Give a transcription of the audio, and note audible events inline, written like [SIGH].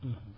[HESITATION] [HESITATION]